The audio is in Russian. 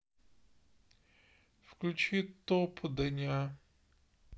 включи топ дня